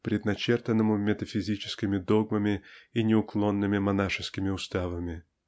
предначертанному метафизическими догмами и неуклонными монашескими уставами.